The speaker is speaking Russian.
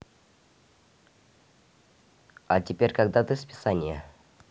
а теперь когда ты списания